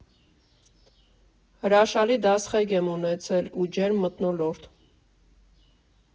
Հրաշալի դասղեկ եմ ունեցել ու ջերմ մթնոլորտ։